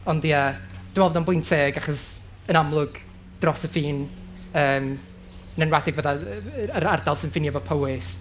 Ond, ia, dwi'n meddwl bod o'n bwynt teg achos, yn amlwg, dros y ffin, yn yn enwedig yy yr ardal sy'n ffinio efo Powys,